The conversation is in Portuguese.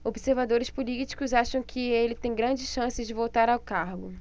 observadores políticos acham que ele tem grandes chances de voltar ao cargo